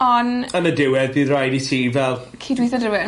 on'... Yn y diwedd bydd rhaid i ti fel... Cydwitho 'da rywun...